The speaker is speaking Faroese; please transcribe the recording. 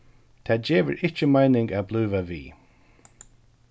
tað gevur ikki meining at blíva við